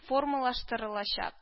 Формалаштырылачак